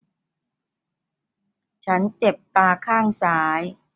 ฉันเจ็บตาข้างซ้าย